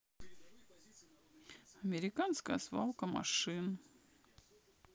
американская свалка машин